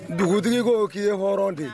Dugutigi ko k'i ye hɔrɔn de